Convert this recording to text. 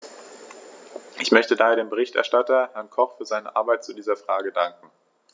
Ich möchte daher dem Berichterstatter, Herrn Koch, für seine Arbeit zu dieser Frage danken.